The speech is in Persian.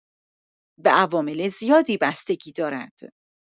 به عوامل زیادی بستگی دارد.